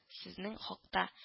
Сезнең хакта